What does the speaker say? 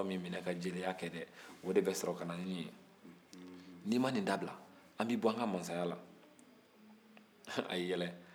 n'i ma nin dabila an b'i bɔ an ka mansaya la hɛɛ ayi yɛlɛ